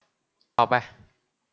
ต่อไป